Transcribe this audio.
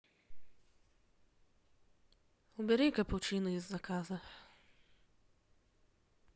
убери капучино из заказа